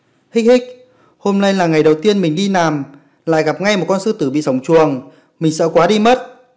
hic hic hôm nay là ngày đầu tiên minh đi làm lại gặp ngay một con sư tử bị sổng chuồng mình sợ quá đi mất